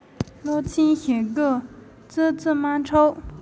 སློབ ཚན ཞེ དགུ ཙི ཙིའི དམག འཁྲུག